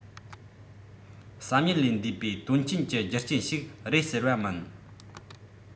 བསམ ཡུལ ལས འདས པའི དོན རྐྱེན གྱི རྒྱུ རྐྱེན ཞིག རེད ཟེར བ མིན